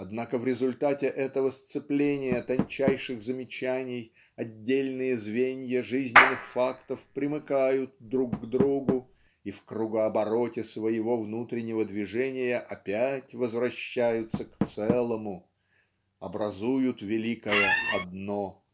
Однако в результате этого сцепления тончайших замечаний отдельные звенья жизненных фактов примыкают друг к другу и в кругообороте своего внутреннего движения опять возвращаются к Целому образуют великое Одно.